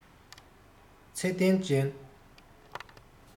ཚད ལྡན ཅན